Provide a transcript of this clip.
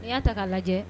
I y'a ta' lajɛ